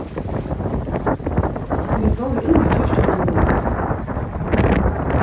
vit vóru inni í kirkjubømúrinum